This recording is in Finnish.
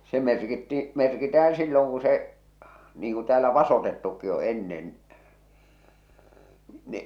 se merkittiin merkitään silloin kun se niin kuin täällä vasotettukkin on ennen niin